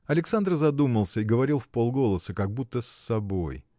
Александр задумался и говорил вполголоса, как будто с собой